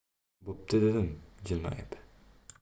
bo'pti dedim jilmayib